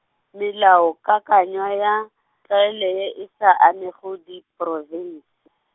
melaokakanywa ya, tlwaelo ye e sa amego diprofens- .